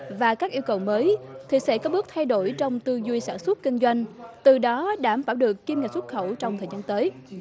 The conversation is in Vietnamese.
và các yêu cầu mới thì sẽ có bước thay đổi trong tư duy sản xuất kinh doanh từ đó đảm bảo được kim ngạch xuất khẩu trong thời gian tới